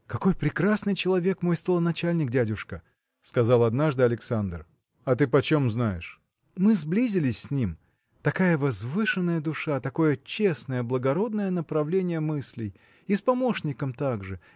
– Какой прекрасный человек мой столоначальник, дядюшка! – сказал однажды Александр. – А ты почем знаешь? – Мы сблизились с ним. Такая возвышенная душа такое честное благородное направление мыслей! и с помощником также